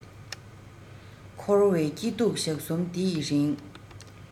འཁོར བའི སྐྱིད སྡུག ཞག གསུམ འདི ཡི རིང